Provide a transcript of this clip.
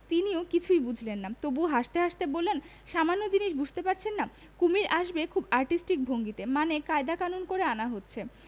তিনিও কিছুই বুঝলেন না তবু হাসতে হাসতে বললেন সামান্য জিনিস বুঝতে পারছেন না কুমীর আসবে খুব আর্টিস্টিক ভঙ্গিতে মানে কায়দা কানুন করে আনা হচ্ছে